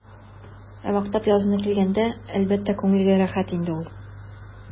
Ә мактап язуга килгәндә, әлбәттә, күңелгә рәхәт инде ул.